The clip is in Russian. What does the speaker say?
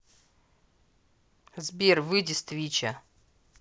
сбер выйди с твича